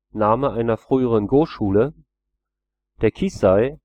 Name einer früheren Go-Schule), der Kisei